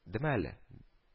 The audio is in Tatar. Деме әле